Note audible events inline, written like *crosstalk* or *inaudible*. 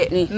*hesitation* *hesitation*